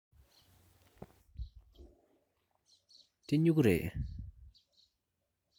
འདི སྨྱུ གུ རེད